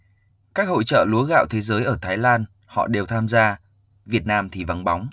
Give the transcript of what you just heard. các hội chợ lúa gạo thế giới ở thái lan họ đều tham gia việt nam thì vắng bóng